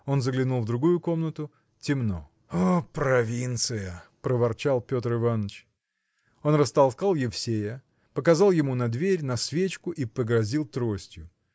Он заглянул в другую комнату: темно. – О, провинция! – проворчал Петр Иваныч. Он растолкал Евсея показал ему на дверь на свечку и погрозил тростью.